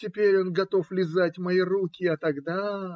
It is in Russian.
Теперь он готов лизать мои руки, а тогда.